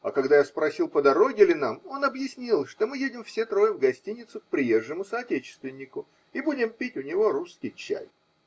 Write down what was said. а когда я спросил, по дороге ли нам, он объяснил, что мы едем все трое в гостиницу к приезжему соотечественнику и будем пить у него русский чай.